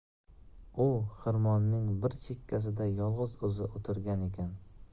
u xirmonning bir chekkasida yolg'iz o'zi o'tirgan ekan